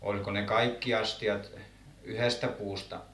oliko ne kaikki astiat yhdestä puusta